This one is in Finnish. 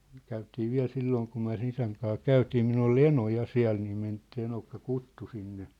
käytiin vielä silloin kun me sen isän kanssa käytiin minulla oli eno ja siellä niin - se eno kutsui sinne